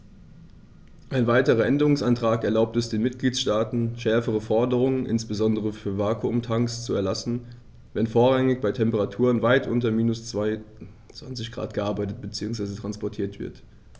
Ein weiterer Änderungsantrag erlaubt es den Mitgliedstaaten, schärfere Forderungen, insbesondere für Vakuumtanks, zu erlassen, wenn vorrangig bei Temperaturen weit unter minus 20º C gearbeitet bzw. transportiert wird.